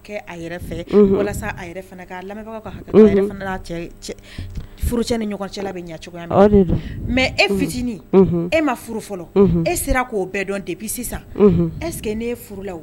Ni ɲɔgɔn cɛ bɛ ɲɛ cogoya mɛ e fitinin e ma furu fɔlɔ e sera k'o bɛɛ dɔn de bi sisan eseke furu